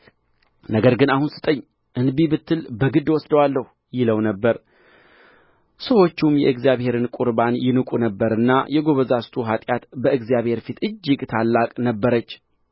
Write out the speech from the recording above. ነገር ግን አሁን ስጠኝ እንቢም ብትል በግድ እወስደዋለሁ ይለው ነበር ሰዎቹም የእግዚአብሔርን ቍርባን ይንቁ ነበርና የጎበዛዝቱ ኃጢአት በእግዚአብሔር ፊት እጅግ ታላቅ ነበረች